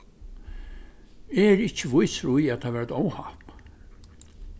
eg eri ikki vísur í at tað var eitt óhapp